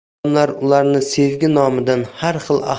odamlar ularni sevgi nomidan har